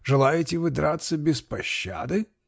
Желаете вы драться без пощады?